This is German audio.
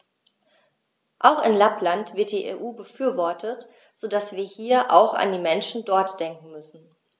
Auch in Lappland wird die EU befürwortet, so dass wir hier auch an die Menschen dort denken müssen.